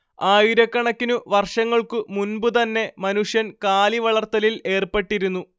ആയിരക്കണക്കിനു വർഷങ്ങൾക്കു മുമ്പുതന്നെ മനുഷ്യൻ കാലി വളർത്തലിൽ ഏർപ്പെട്ടിരുന്നു